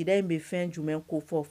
In bɛ fɛn jumɛn ko fɔ